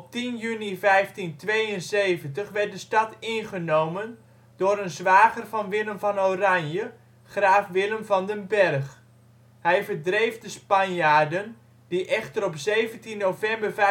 juni 1572 werd de stad ingenomen door een zwager van Willem van Oranje, graaf Willem van den Berg. Hij verdreef de Spanjaarden, die echter op 17 november 1572